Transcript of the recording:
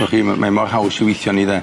Dychi mae mor haws i weithio arni de.